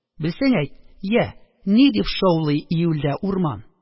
Белсәң әйт, йә, ни дип шаулый июльдә урман?